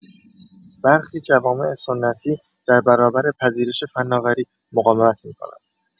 برخی جوامع سنتی در برابر پذیرش فناوری مقاومت می‌کنند.